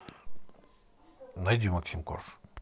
найди максим корж